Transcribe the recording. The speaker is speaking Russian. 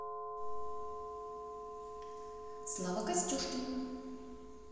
слава костюшкин